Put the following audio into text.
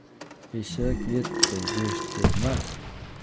eshak eti go'sht bo'lmas